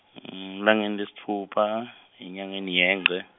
elangeni lesitfupha, enyangeni yeNgci.